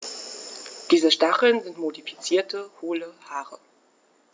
Diese Stacheln sind modifizierte, hohle Haare.